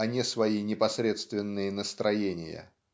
а не свои непосредственные настроения.